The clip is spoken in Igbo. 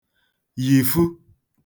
yìfu